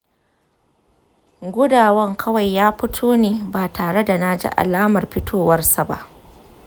gudawan kawai ya fito ne ba tareda naji alamar fitowarsa ba.